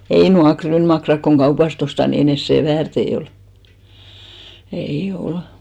ei nuo ryynimakkarat kun kaupasta ostaa niin ei ne sen väärtejä ole ei ole